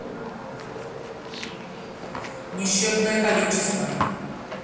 несчетное количество